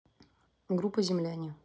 группа земляне